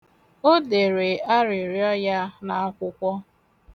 O dere arịrịọ ya n'akwụkwọ.